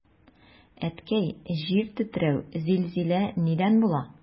Әткәй, җир тетрәү, зилзилә нидән була?